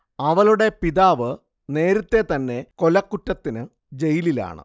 അവളുടെ പിതാവ് നേരത്തെ തന്നെ കൊലകുറ്റത്തിനു ജയിലാണ്